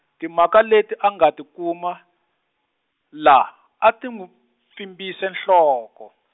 timhaka leti a nga ti kuma, la a ti n'wi pfimbise nhloko.